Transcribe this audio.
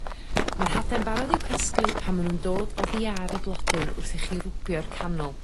ma'r hade'n barod i'w casglu pan ma' nw'n dod oddi ar y blodyn wrth i chi rwbio'r canol.